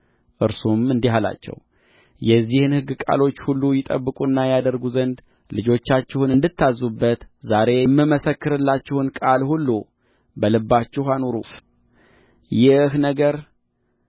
እርሱም እንዲህ አላቸው የዚህን ሕግ ቃሎች ሁሉ ይጠብቁና ያደርጉ ዘንድ ልጆቻችሁን እንድታዝዙበት ዛሬ የምመሰክርላችሁን ቃል ሁሉ በልባችሁ አኑሩት ይህ ነገር